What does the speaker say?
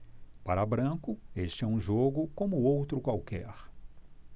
para branco este é um jogo como outro qualquer